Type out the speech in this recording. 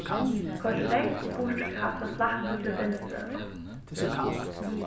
koyr slógv og burturkast frá slakti til brennistøðina